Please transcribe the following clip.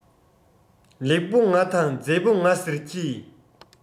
ལེགས པོ ང དང མཛེས པོ ང ཟེར གྱི